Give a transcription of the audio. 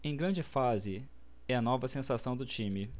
em grande fase é a nova sensação do time